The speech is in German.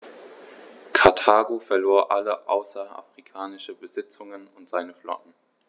Karthago verlor alle außerafrikanischen Besitzungen und seine Flotte.